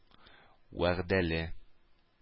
Вәгъдәле